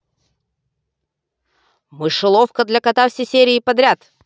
мышеловка для кота все серии подряд